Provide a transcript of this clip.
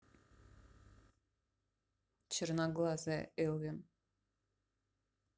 черноглазая элвин